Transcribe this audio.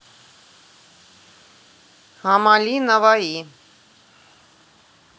hammali navai